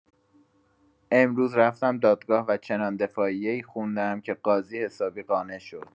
امروز رفتم دادگاه و چنان دفاعیه‌ای خوندم که قاضی حسابی قانع شد.